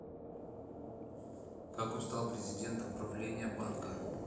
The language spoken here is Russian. как он стал президентом правления банка